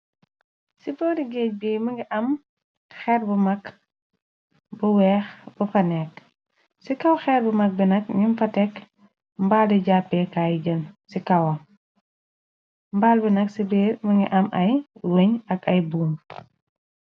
ci boori géej bi mëngi am xeer bu mag bu weex bu fa nekk ci kaw xeer bu mag bi nag num fa tekk mbaali jàppeek ay jën ci kawa mbaal bi nag ci biir më ngi am ay ruñ ak ay buumb